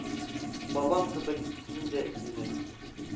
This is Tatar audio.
Бабам кебек мин дә илне